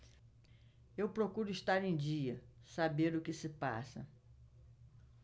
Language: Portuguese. eu procuro estar em dia saber o que se passa